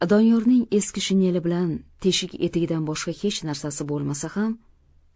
doniyorning eski shineli bilan teshik etigidan boshqa hech narsasi bo'lmasa ham